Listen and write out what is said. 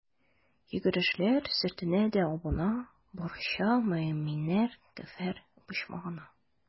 Йөгерешәләр, сөртенә дә абына, барча мөэминнәр «Көфер почмагы»на.